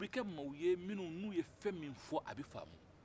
u bɛ kɛ mɔgɔw ye minnu n'u ye fɛn min fɔ a bɛ faamu